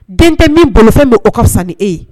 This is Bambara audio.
Den tɛ min bolo fɛn min o ka fisa ni e ye